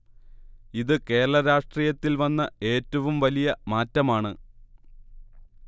ഇത് കേരള രാഷ്ട്രീയത്തിൽ വന്ന ഏറ്റവും വലിയ മാറ്റമാണ്